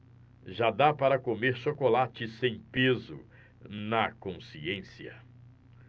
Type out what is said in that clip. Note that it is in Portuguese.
já dá para comer chocolate sem peso na consciência